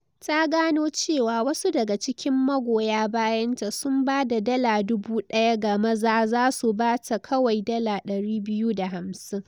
Ta gano cewa wasu daga cikin magoya bayanta sun ba da $1,000 ga maza zasu ba ta kawai $ 250.